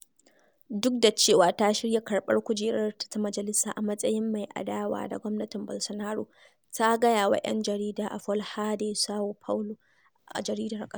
Duk da cewa ta shirya karɓar kujerarta ta majalisa a matsayin mai adawa da gwamanatin Bolsonaro, ta gayawa 'yan jarida a Folha de Sao Paulo, a jaridar ƙasa: